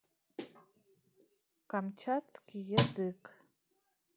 камчатский язык